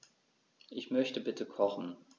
Ich möchte bitte kochen.